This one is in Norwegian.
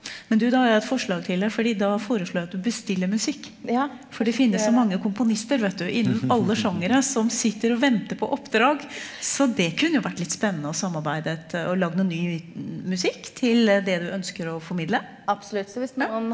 men du da har jeg et forslag til deg fordi da foreslår jeg at du bestiller musikk, for det finnes så mange komponister vet du, innen alle sjangere, som sitter og venter på oppdrag, så det kunne jo vært litt spennende å samarbeidet og lagd noen ny musikk til det du ønsker å formidle ja.